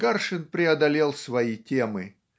Гаршин преодолел свои темы.